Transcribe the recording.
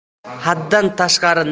faqat haddan tashqari